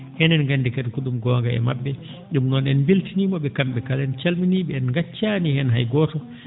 enen nganndi kadi ko ?um goonga e ma??e ?um noon en mbeltinoima ?e kam?e kala en calminii ?e en ngaccaani heen hay gooto